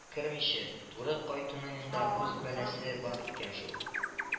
Кермичә, туры кайтуның да үз бәласе бар икән шул